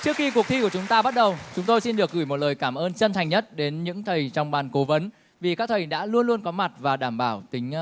trước khi cuộc thi của chúng ta bắt đầu chúng tôi xin được gửi một lời cảm ơn chân thành nhất đến những thầy trong ban cố vấn vì các thầy đã luôn luôn có mặt và đảm bảo tính